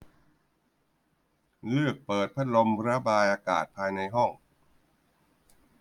เลือกเปิดพัดลมระบายอากาศภายในห้อง